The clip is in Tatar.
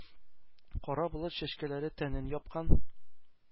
Кара болыт чәчкәйләре тәнен япкан;